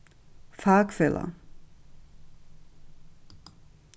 fakfelag